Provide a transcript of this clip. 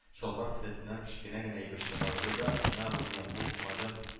Чалбар кесәсенән кечкенә генә әйбер чыгарды да, мә румия бу "модем"